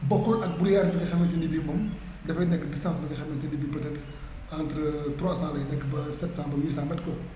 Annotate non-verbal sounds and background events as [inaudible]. bokkul ak broullard bi nga xamante ne bii moom dafay nekk distance bi nga xamante ne bii peut être entre [hesitation] trois cent lay nekk ba sept cent ba huit cent mbaa lu ko ëpp